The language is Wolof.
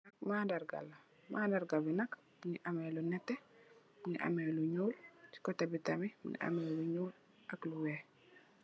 Mandargala, mandarga bi nak mungi ameh lu nètè, mungi ameh lu ñuul. Ci kotè bi tamit mungi ameh lu ñuul ak lu weeh.